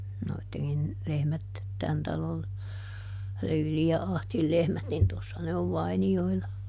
noidenkin lehmät tämän talon Lyylin ja Ahdin lehmät niin tuossa ne on vainioilla